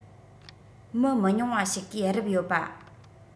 མི མི ཉུང བ ཞིག གིས རུབ ཡོད པ